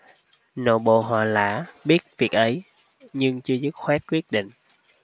nội bộ họ lã biết việc ấy nhưng chưa dứt khoát quyết định